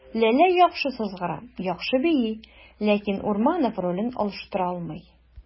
Ләлә яхшы сызгыра, яхшы бии, ләкин Урманов ролен алыштыра алмый.